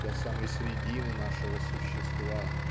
до самой средины нашего существа